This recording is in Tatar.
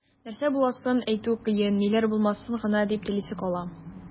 Нәрсә буласын әйтү кыен, ниләр булмасын гына дип телисе кала.